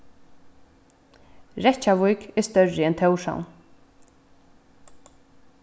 reykjavík er størri enn tórshavn